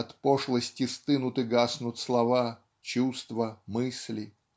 От пошлости стынут и гаснут слова, чувства, мысли